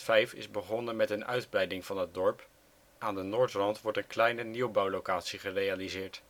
2005 is begonnen met een uitbreiding van het dorp: aan de noordrand wordt een kleine nieuwbouwlokatie gerealiseerd